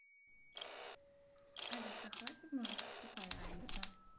алиса хватит может быть тупая алиса